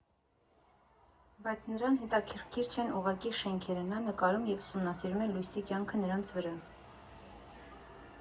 Բայց նրան հետաքրքիր չեն ուղղակի շենքերը, նա նկարում և ուսումնասիրում է լույսի կյանքը նրանց վրա։